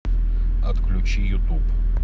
отключи ютуб